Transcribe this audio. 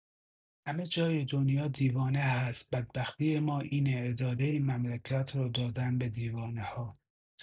همه جای دنیا دیوانه هست بدبختی ما اینه اداره مملکت رو دادن به دیوانه‌ها